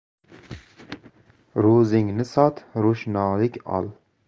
ro'zingni sot ro'shnolik ol